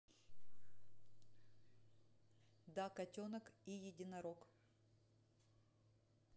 да котенок и единорог